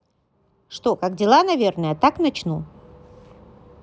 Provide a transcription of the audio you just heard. что как дела наверное так начну